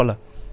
waaw